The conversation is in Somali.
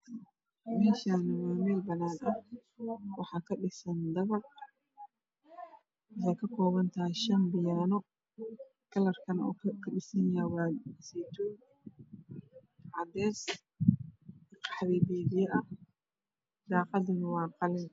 Meeshani waa meel banaana waxa ka dhisan dabaq waxay ka kooban yahay shan dabaq waxay ka kooban tahay Shan biyaano kalarku Ku dhisan yahay waa saytuun cadays qaxwi biyo biyo ah daaqadduna waa qalin